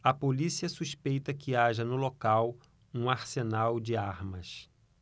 a polícia suspeita que haja no local um arsenal de armas